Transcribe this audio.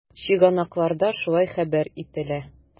Чыганакларда шулай хәбәр ителә.